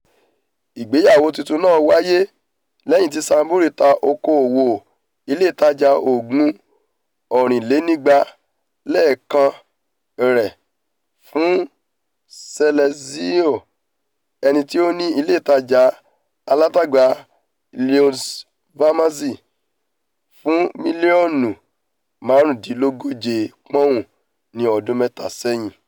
ìgbeyẹwò tuntun náà ́wáyé lẹ́yìn ti Sainsbury's ta oko-òwò ílé-ìtajà òògùn ọrìnlénigba lé kan rẹ̀ fún Celesio, ẹnití ó ni ilé ìtajà alátagbà Lloyds Pharmacy, fún miliọnu máàrúndínlọ́gojè pọ́ùn, ni ọ́dún mẹ́ta sẹ́yìn.